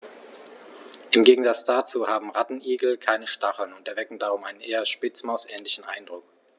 Im Gegensatz dazu haben Rattenigel keine Stacheln und erwecken darum einen eher Spitzmaus-ähnlichen Eindruck.